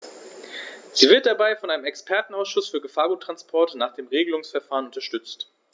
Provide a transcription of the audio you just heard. Sie wird dabei von einem Expertenausschuß für Gefahrguttransporte nach dem Regelungsverfahren unterstützt.